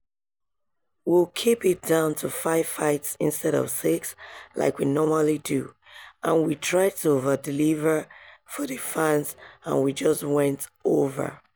We'll keep it down to five fights instead of six - like we normally do - and we tried to overdeliver for the fans and we just went over.